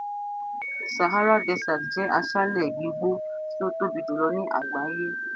Sahara Desert jẹ́ aṣálẹ̀ gbígbó tí ó tóbi jùlọ ní àgbáyé.